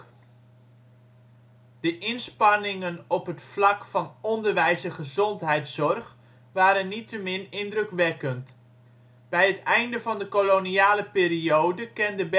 inspanningen op het vlak van onderwijs en gezondheidszorg waren niettemin indrukwekkend. Bij het einde van de koloniale periode kende